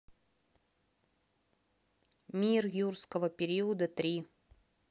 мир юрского периода три